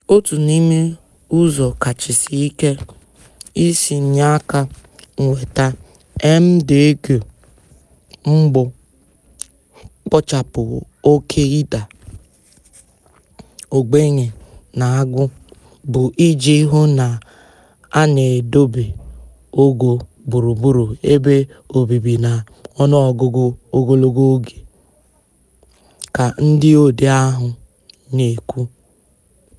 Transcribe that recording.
"Otu n'ime ụzọ kachasị ike isi nye aka nweta MDG mbụ - kpochapụ oke ịda ogbenye na agụụ - bụ iji hụ na a na-edobe ogo gburugburu ebe obibi na ọnụọgụgụ ogologo oge," ka ndị odee ahụ na-ekwu.